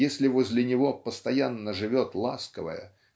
если возле него постоянно живет ласковая